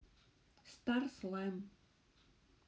старс лайм